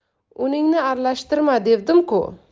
uningni aralashtirma devdim ku